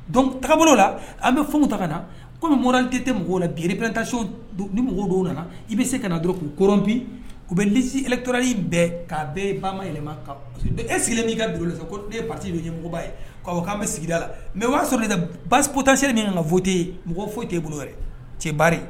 Don taabolo la an bɛ f ta ka na kɔmi m tɛ tɛ mɔgɔw la gpta ni mɔgɔw don nana i bɛ se ka na don k'u k bi bɛ si tora bɛɛ'a bɛɛ ba yɛlɛma e sigilen'i ka donla don yeba ye k'a k'an bɛ sigira la mɛ o y'a sɔrɔ basi kota se min kan foyi yen mɔgɔ foyi tɛ bolo cɛri